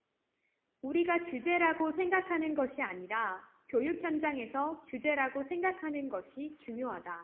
우리가 규제라고 생각하는 것이 아니라 교육 현장에서 규제라고 생각하는 것이 중요하다